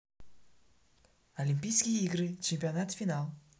олимпийские игры чемпионат финал